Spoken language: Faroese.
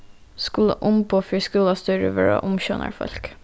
skulu umboð fyri skúlastýrið vera umsjónarfólk